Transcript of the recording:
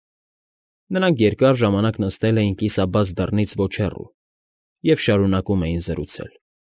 Նրանք երկար ժամանակ նստել էին կիսաբաց դռնից ոչ հեռու և շարունակում էին զրուցել։